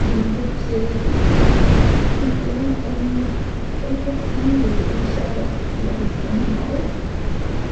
i fedru yy peidio 'yn gorfodi ni i siarad iaith wahanol